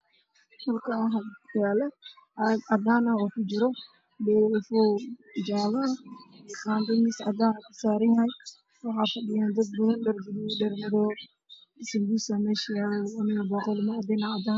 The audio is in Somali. Meeshaan waxaa yaalamiis waxa dul saaran zakale cadaan ah oo ay ku jiraan shurbad waxaana geysaa ka jiro laba naagood oo fadhiyo